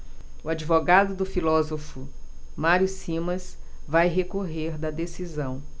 o advogado do filósofo mário simas vai recorrer da decisão